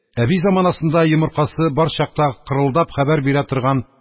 Әби заманасында йомыркасы бар чакта кырылдап хәбәр бирә торган,